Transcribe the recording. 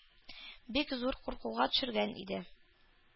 Бик зур куркуга төшергән иде.